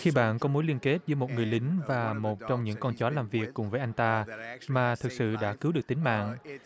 khi bạn có mối liên kết giữa một người lính và một trong những con chó làm việc cùng với anh ta mà thực sự đã cứu được tính mạng